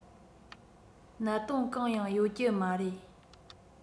གནད དོན གང ཡང ཡོད ཀྱི མ རེད